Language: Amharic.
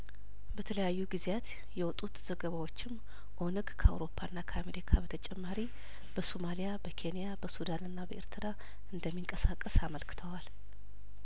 በተለያዩ ጊዜያት የወጡት ዘገባዎችም ኦነግ ከአውሮፓና ከአሜሪካ በተጨማሪ በሶማሊያበኬንያበሱዳንና በኤርትራ እንደሚንቀሳቀስ አመልክተዋል